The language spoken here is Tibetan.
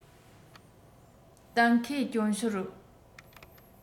གཏན འཁེལ རྐྱོན ཤོར